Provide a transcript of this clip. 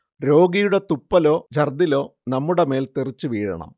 രോഗിയുടെ തുപ്പലോ ഛർദ്ദിലോ നമ്മുടെ മേൽ തെറിച്ചു വീഴണം